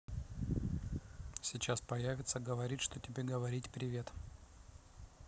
сейчас появится говорит что тебе говорить привет